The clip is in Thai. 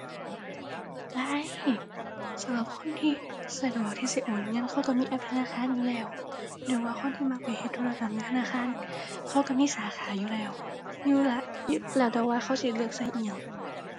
ได้ สำหรับคนที่สะดวกที่สิโอนเงินเขาก็มีแอปธนาคารอยู่แล้ว หรือว่าคนที่มักไปเฮ็ดธุรกรรมอยู่ธนาคาร เขาก็มีสาขาอยู่แล้ว อยู่ละ อยู่ แล้วแต่ว่าเขาสิเลือกก็อิหยัง